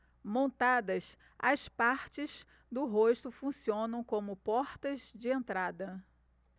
montadas as partes do rosto funcionam como portas de entrada